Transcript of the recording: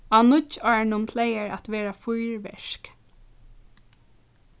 á nýggjárinum plagar at vera fýrverk